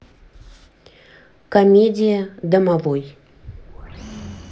комедия домовой